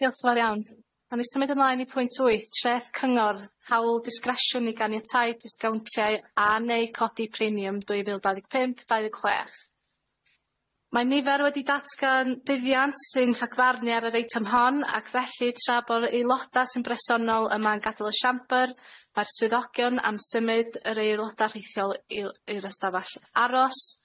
Diolch yn fawr iawn. Ma'n ni symud ymlaen i pwynt wyth, traeth cyngor, hawl discresiwn i ganiatáu disgowntiau a neu codi premium dwy fil dau ddeg pump dau ddeg chwech. Mae nifer wedi datgan buddiant sy'n rhagfarni ar yr eitem hon ac felly tra bo'r aeloda sy'n bresennol yma'n gadel y siamber, mae'r swyddogion am symud yr aeloda rheithiol i'w i'r ystafell aros.